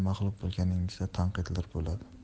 mag'lub bo'lganingizda tanqidlar bo'ladi